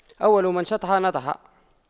أول ما شطح نطح